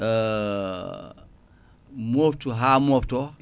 moftu ha mofto